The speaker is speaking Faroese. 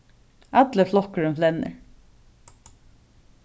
allur flokkurin flennir